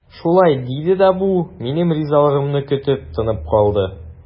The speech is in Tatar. Шулай диде дә бу, минем ризалыгымны көтеп, тынып калды.